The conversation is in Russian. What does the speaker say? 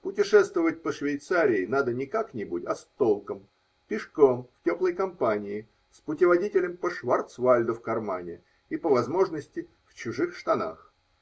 Путешествовать по Швейцарии надо не как-нибудь, а с толком: пешком, в теплой компании, с путеводителем по Шварцвальду в кармане и, по возможности, в чужих штанах